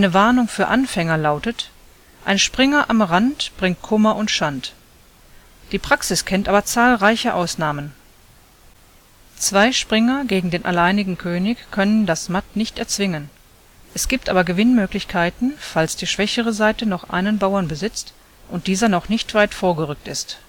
Warnung für Anfänger lautet: „ Ein Springer am Rand bringt Kummer und Schand “. Die Praxis kennt aber zahlreiche Ausnahmen. Zwei Springer gegen den alleinigen König können das Matt nicht erzwingen, es gibt aber Gewinnmöglichkeiten, falls die schwächere Seite noch einen Bauern besitzt und dieser noch nicht weit vorgerückt ist